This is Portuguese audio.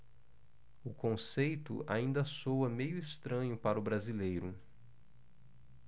o conceito ainda soa meio estranho para o brasileiro